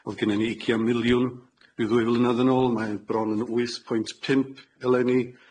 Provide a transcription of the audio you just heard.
O'dd gennon ni ugian miliwn ryw ddwy flynadd yn ôl mae bron yn wyth pwynt pump eleni.